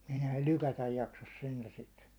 mutta eihän ne lykätä jaksaisi sentään sitä